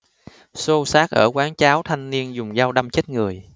xô xát ở quán cháo thanh niên dùng dao đâm chết người